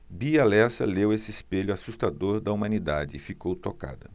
bia lessa leu esse espelho assustador da humanidade e ficou tocada